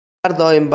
inson har doim